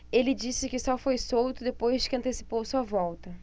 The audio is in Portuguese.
ele disse que só foi solto depois que antecipou sua volta